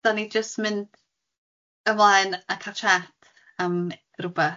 dan ni jyst mynd ymlaen a cael chat am rwbath?